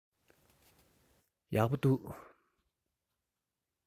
ཡག པོ འདུག